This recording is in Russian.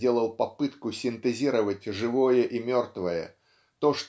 сделал попытку синтезировать живое и мертвое то